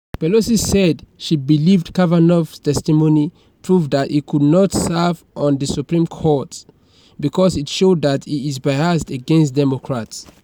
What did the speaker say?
Pelosi said that she believed Kavanaugh's testimony proved that he could not serve on the Supreme Court, because it showed that he is biased against Democrats.